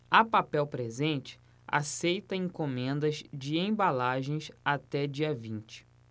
a papel presente aceita encomendas de embalagens até dia vinte